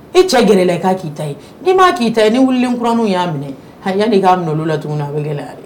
I cɛ gɛrɛ i la, i ka ki ta ye. Ni ma ki ta ye ni wilien kuraninw ya minɛ , ha yani i ka ki ta ye a bi gɛlɛya dɛ .